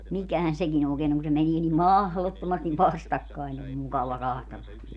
mikähän sekin oikein on kun se menee niin mahdottomasti vastakkain se on mukava katsella niitä